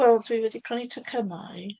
Wel, dwi wedi prynu tocynnau.